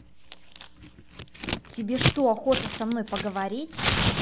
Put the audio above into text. тебе что охота со мной поговорить